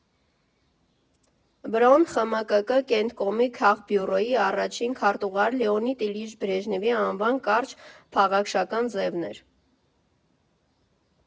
Բրոն ԽՄԿԿ Կենտկոմի քաղբյուրոյի առաջին քարտուղար Լեոնիդ Իլյիչ Բրեժնևի անվան կարճ֊փաղաքշական ձևն էր։